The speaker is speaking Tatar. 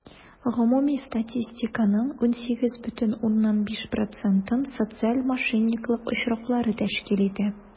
Гомуми статистиканың 18,5 процентын социаль мошенниклык очраклары тәшкил итә.